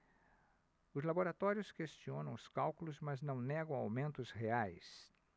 os laboratórios questionam os cálculos mas não negam aumentos reais